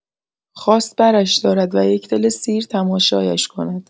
خواست برش دارد و یک دل سیر تماشایش کند.